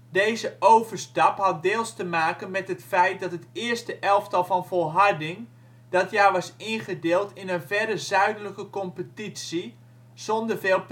Deze overstap had deels te maken met het feit dat het eerste elftal van Volharding dat jaar was ingedeeld in een verre zuidelijke competitie zonder veel